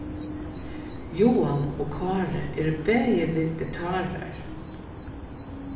joan og kári eru bæði vegetarar